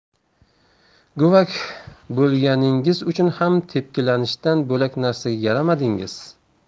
g'ovak bo'lganingiz uchun ham tepkilanishdan bo'lak narsaga yaramadingiz